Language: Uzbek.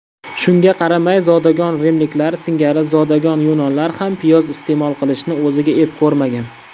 shunga qaramay zodagon rimliklar singari zodagon yunonlar ham piyoz iste'mol qilishni o'ziga ep ko'rmagan